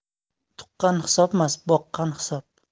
tuqqan hisobmas boqqan hisob